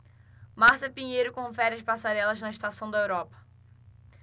márcia pinheiro confere as passarelas da estação na europa